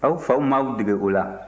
aw faw m'aw dege o la